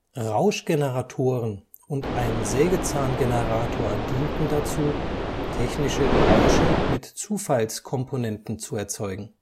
Rauschgeneratoren und ein Sägezahn-Generator dienten dazu, technische Geräusche mit Zufalls-Komponenten zu erzeugen